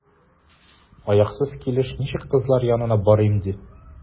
Аяксыз килеш ничек кызлар янына барыйм, ди?